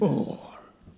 oli